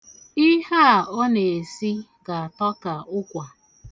Ihe a ọ na-esi ga-atọ ka ụkwa.